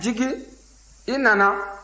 jigi i nana